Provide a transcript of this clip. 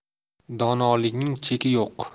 donolikning cheki yo'q